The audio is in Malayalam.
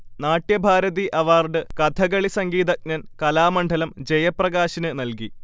നാട്യഭാരതി അവാർഡ് കഥകളി സംഗീതജ്ഞൻ കലാമണ്ഡലം ജയപ്രകാശിന് നൽകി